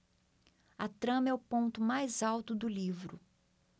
a trama é o ponto mais alto do livro